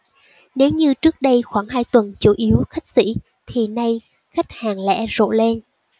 nếu như trước đây khoảng hai tuần chủ yếu khách sỉ thì nay khách hàng lẻ rộ lên